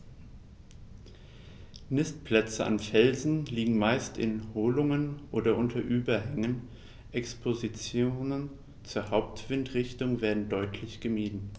Nistplätze an Felsen liegen meist in Höhlungen oder unter Überhängen, Expositionen zur Hauptwindrichtung werden deutlich gemieden.